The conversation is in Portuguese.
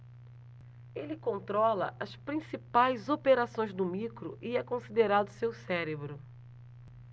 ele controla as principais operações do micro e é considerado seu cérebro